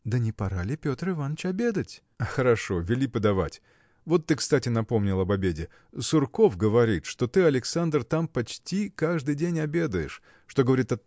– Да не пора ли, Петр Иваныч, обедать? – Хорошо, вели давать! Вот ты кстати напомнила об обеде. Сурков говорит что ты Александр там почти каждый день обедаешь что говорит